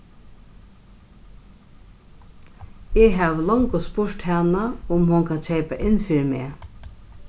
eg havi longu spurt hana um hon kann keypa inn fyri meg